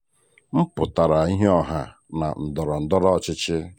Mmpụtara Ihe Ọha na Ndọrọ Ndọrọ Ọchịchị